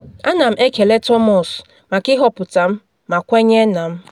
Ana m ekele Thomas maka ịhọpụta m ma kwenye na m.